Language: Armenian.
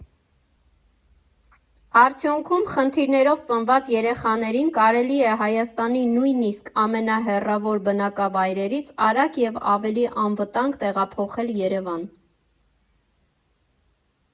Արդյունքում, խնդիրներով ծնված երեխաներին կարելի է Հայաստանի նույնիսկ ամենահեռավոր բնակավայրերից արագ և ավելի անվտանգ տեղափոխել Երևան։